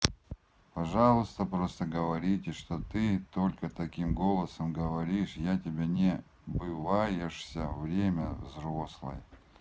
пожалуйста просто говори что ты только таким голосом говоришь я тебя не бываешься время взрослой